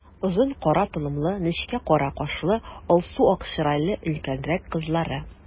Озын кара толымлы, нечкә кара кашлы, алсу-ак чырайлы өлкәнрәк кызлары.